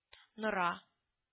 Нора…